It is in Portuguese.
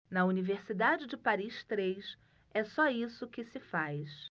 na universidade de paris três é só isso que se faz